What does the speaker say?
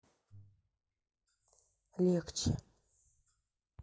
легче